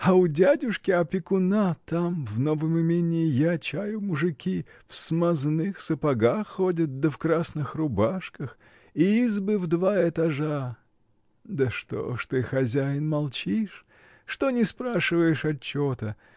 А у дядюшки-опекуна там, в новом имении, я чаю, мужики в смазных сапогах ходят да в красных рубашках избы в два этажа. Да что ж ты, хозяин, молчишь? Что не спрашиваешь отчета?